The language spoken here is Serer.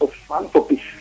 o faam fo pis